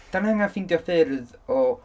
Dan ni angen ffeindio ffyrdd o...